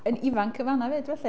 Yn ifanc yn fan'na 'fyd felly.